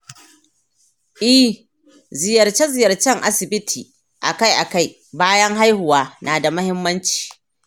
eh, ziyarce-ziyarcen asibiti akai-akai bayan-haihuwa na da muhimmanci